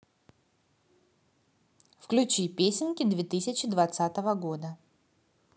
включи песенки две тысячи двадцатого года